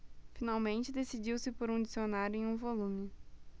finalmente decidiu-se por um dicionário em um volume